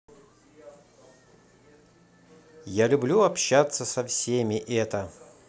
я люблю общаться со всеми это